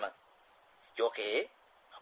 yo'g' ey